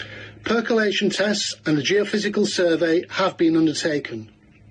Percolation tests and a geophysical survey have been undertaken.